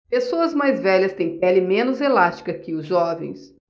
pessoas mais velhas têm pele menos elástica que os jovens